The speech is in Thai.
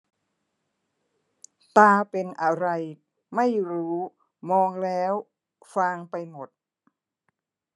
ตาเป็นอะไรไม่รู้มองแล้วฟางไปหมด